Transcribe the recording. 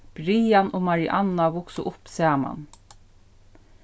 brian og marianna vuksu upp saman